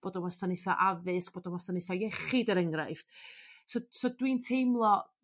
bod yn wasanaetha' addysg bod y wasanaetha' iechyd er enghraifft. So so dw i'n teimlo